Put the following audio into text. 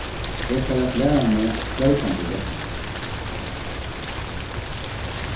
eg fari at læra meg flótandi japanskt